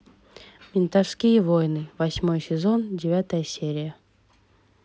ментовские войны восьмой сезон девятая серия